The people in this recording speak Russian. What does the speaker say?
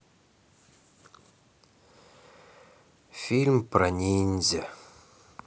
фильм про ниндзя